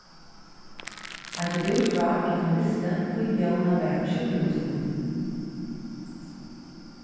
hann gekk út frá at hon visti hví jóna var á sjúkrahúsinum